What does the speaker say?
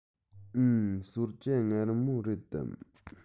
འུན གསོལ ཇ མངར མོ རེད དམ